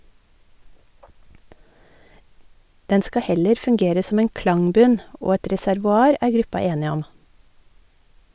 Den skal heller fungere som en klangbunn, og et reservoar, er gruppa enig om.